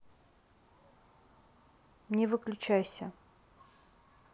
не выключайся